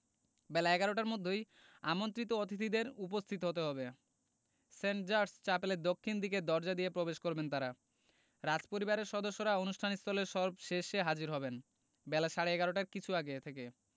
বেলা ১১টার মধ্যই আমন্ত্রিত অতিথিদের উপস্থিত হতে হবে সেন্ট জার্জ চ্যাপেলের দক্ষিণ দিকের দরজা দিয়ে প্রবেশ করবেন তাঁরা রাজপরিবারের সদস্যরা অনুষ্ঠান স্থলে সবশেষে হাজির হবেন বেলা সাড়ে ১১টার কিছু আগে থেকে